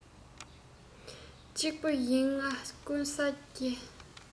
གཅིག པུ ཡིན ང ཀུན ས རྒྱལ